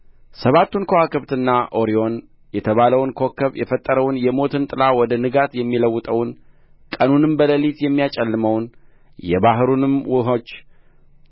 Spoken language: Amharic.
ሰባቱን ከዋክብትና ኦሪዮን የተባለውን ኮከብ የፈጠረውን የሞትን ጥላ ወደ ንጋት የሚለውጠውን ቀኑንም በሌሊት የሚያጨልመውን የባሕሩንም ውኆች